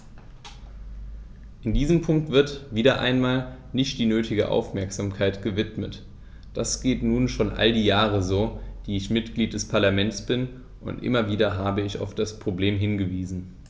Diesem Punkt wird - wieder einmal - nicht die nötige Aufmerksamkeit gewidmet: Das geht nun schon all die fünf Jahre so, die ich Mitglied des Parlaments bin, und immer wieder habe ich auf das Problem hingewiesen.